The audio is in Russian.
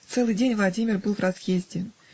Целый день Владимир был в разъезде.